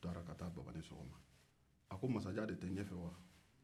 u taara ko baba ni sɔgɔma a ko masajan de t ɲɛ fɛ wa